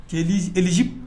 éligible